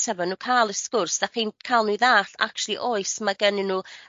efo n'w ca'l y sgwrs 'dach chi'n ca'l n'w i ddallt actually oes ma' gennyn n'w